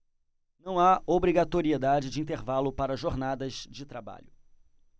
não há obrigatoriedade de intervalo para jornadas de trabalho